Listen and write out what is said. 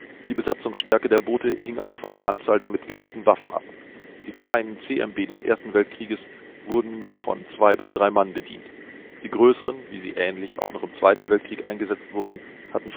Die Besatzungstärke der Boote hing auch von der Anzahl der mitgeführten Waffen ab. Die kleinen CMB des Ersten Weltkrieges wurden nur von 2 bis 3 Mann bedient, die größeren, wie sie ähnlich auch noch im Zweiten Weltkrieg eingesetzt wurden hatten